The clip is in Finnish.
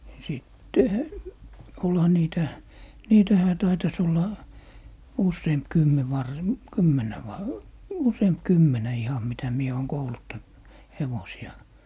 ja sittenhän olihan niitä niitähän taitaisi olla useampi kymmenen - kymmenen - useampi kymmenen ihan mitä minä olen kouluttanut hevosia